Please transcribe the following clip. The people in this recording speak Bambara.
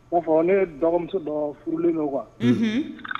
ne ye dɔgɔmuso dɔ furulen don quoi , unhun